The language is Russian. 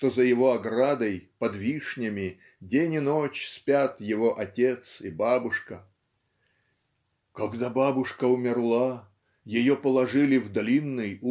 что за его оградой под вишнями день и ночь спят его отец и бабушка. "Когда бабушка умерла ее положили в длинный